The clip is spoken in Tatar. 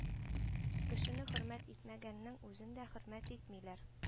Кешене хөрмәт итмәгәннең үзен дә хөрмәт итмиләр